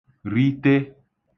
rite